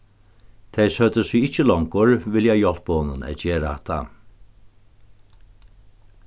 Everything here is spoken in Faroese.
tey søgdu seg ikki longur vilja hjálpa honum at gera hatta